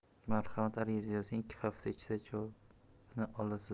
marhamat ariza yozing ikki hafta ichida javobini olasiz